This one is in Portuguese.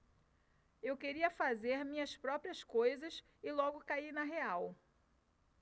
eu queria fazer minhas próprias coisas e logo caí na real